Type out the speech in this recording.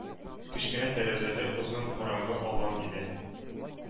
Кечкенә тәрәзәле, озын, караңгы алан иде.